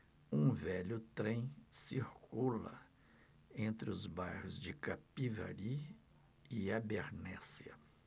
um velho trem circula entre os bairros de capivari e abernéssia